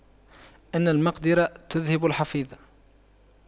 إن المقْدِرة تُذْهِبَ الحفيظة